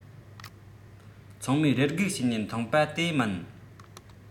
ཚང མས རེ སྒུག བྱེད ནས མཐོང པ དེ མིན